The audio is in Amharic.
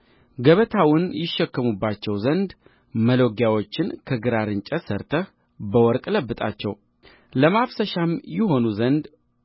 ገበታውን ይሸከሙባቸው ዘንድ መሎጊያዎቹን ከግራር እንጨት ሠርተህ በወርቅ ለብጣቸው ለማፍሰሻም ይሆኑ ዘንድ